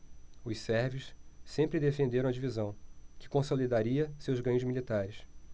os sérvios sempre defenderam a divisão que consolidaria seus ganhos militares